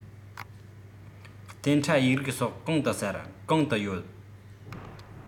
གཏན ཁྲ ཡིག རིགས སོགས གང དུ གསལ གང དུ ཡོད